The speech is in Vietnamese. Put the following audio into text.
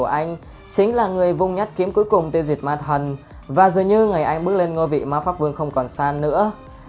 khi đội của anh chính là người vung nhát kiếm cuối cùng tiêu diệt ma thần và dường như ngày anh bước lên ngôi vị mpv không còn xa nữa